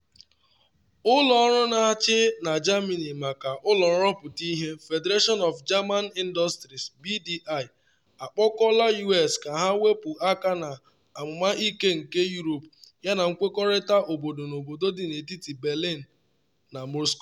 Ụlọ ọrụ na-achị na Germany maka ụlọ nrụpụta ihe, Federation of German Industries (BDI), akpọkuola US ka ha wepu aka na amụma ike nke Europe yana nkwekọrịta obodo na obodo dị n’etiti Berlin na Moscow.